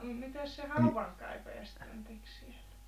mutta mitäs se haudankaivaja sitten teki siellä